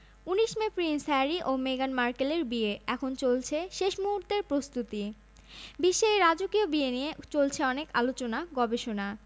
আর লন্ডনের স্থানীয় সময় সকাল নয়টার মধ্যে তাঁদের উপস্থিত হতে হবে বিয়ের মূল অতিথিরা সকাল সাড়ে নয়টা থেকে আসতে শুরু করবেন বেলা ১১টার মধ্যেই আমন্ত্রিত অতিথিদের উপস্থিত হতে হবে